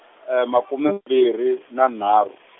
makume mbirhi na nharhu .